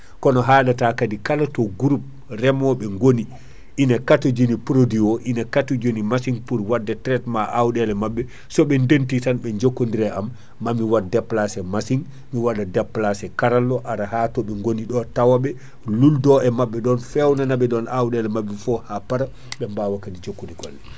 kono haɗata kadi kala to groupe reemoɓe gonni ina katojini produit ina katojini machine pour wadde traitement: fra awɗele mabɓe soɓe denti tan ɓe jokkodiri e am mami wad déplacé machine mi waɗa déplacé karallo ara ha toɓe gonni ɗo tawaɓe lullde e mabɓe ɗon fewnanaɓe ɗon awɗele mabɓe foo ha paara ɓe bawa kadi jokkude golle